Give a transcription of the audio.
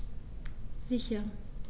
Sicher.